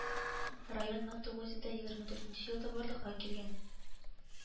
Район мең тугыз йөз дә егерме дүртенче елда барлыкка килгән